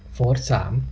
โฟธสาม